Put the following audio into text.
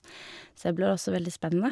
Så det blir også veldig spennende.